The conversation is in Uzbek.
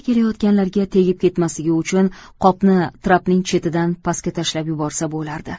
kelayotganlarga tegib ketmasligi uchun qopni trapning chetidan pastga tashlab yuborsa bo'lardi